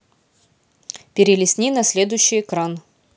перелистни на следующий экран